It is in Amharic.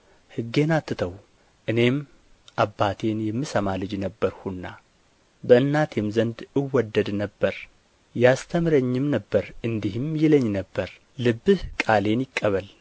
ሕጌን አትተዉ እኔም አባቴን የምሰማ ልጅ ነበርሁና በእናቴም ዘንድ እወደድ ነበር ያስተምረኝም ነበር እንዲህም ይለኝ ነበር ልብህ ቃሌን ይቀበል